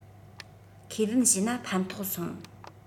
ཁས ལེན བྱས ན ཕན ཐོགས སོང